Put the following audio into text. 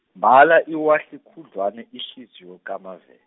mbala iwahle khudlwana ihliziyo kaMave-.